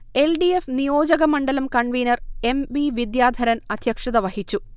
L. D. F. നിയോജകമണ്ഡലം convener M. V. Vidyadharan അധ്യക്ഷത വഹിച്ചു